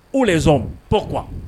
Ou les hommes pourquoi